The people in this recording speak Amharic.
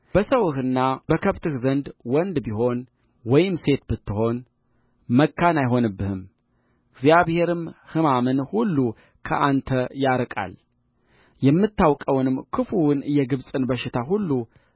በሰውህና በከብትህም ዘንድ ወንድ ቢሆን ወይም ሴት ብትሆን መካን አይሆንብህምእግዚአብሔርም ሕማምን ሁሉ ከአንተ ያርቃል የምታውቀውንም ክፉውን የግብፅ በሽታ ሁሉ